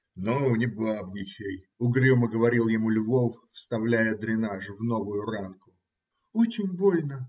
- Ну, не бабничай, - угрюмо говорил ему Львов, вставляя дренаж в новую ранку. - Очень больно?